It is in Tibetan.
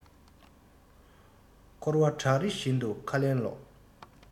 འཁོར བ བྲག རི བཞིན དུ ཁ ལན སློག